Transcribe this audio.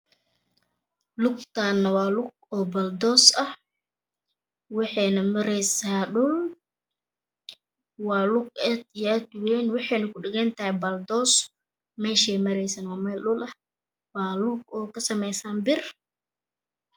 Lugtan waa lug baltoos ah waxena maraysa dhulka